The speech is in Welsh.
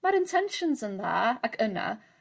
Ma'r intentions yn dda ac yna.